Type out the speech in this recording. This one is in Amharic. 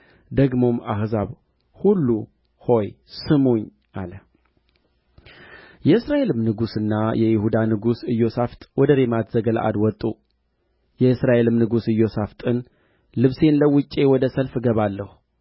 ደግሞም አሕዛብ ሁሉ ሆይ ስሙኝ አለ የእስራኤልም ንጉሥና የይሁዳ ንጉሥ ኢዮሣፍጥ ወደ ሬማት ዘገለዓድ ወጡ የእስራኤልም ንጉሥ ኢዮሣፍጥን ልብሴን ለውጬ ወደ ሰልፍ እገባለሁ